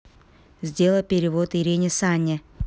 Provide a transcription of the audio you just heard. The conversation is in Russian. сделай перевод ирине санне